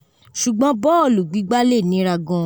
Ṣùgbọ́n bọ́ọ̀lù gbígbá lè nira gan.